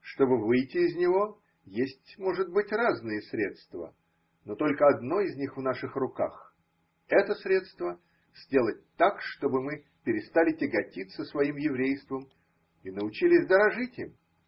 Чтобы выйти из него, есть, может быть, разные средства, но только одно из них в наших руках: это средство –сделать так, чтобы мы перестали тяготиться своим еврейством и научились дорожить им.